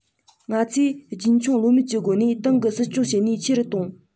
ང ཚོས རྒྱུན འཁྱོངས ལྷོད མེད ཀྱི སྒོ ནས ཏང གི སྲིད སྐྱོང བྱེད ནུས ཆེ རུ བཏང